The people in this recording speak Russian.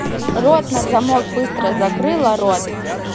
рот на замок быстро закрыла рот